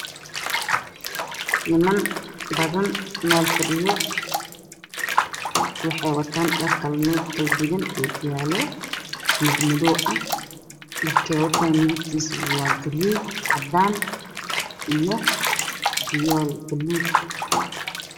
Niman badan meel fadhiyo waxay wataan dhar kala nooc kala duwan ookiyaalo madmadow ah dharkey wataan midibkiisa yahay gaduud cadaan iyo buluug